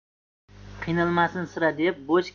qiynalmasin sira deb bo'sh